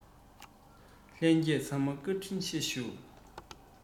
ལྷན རྒྱས ཚང མ བཀའ དྲིན ཆེ ཞུ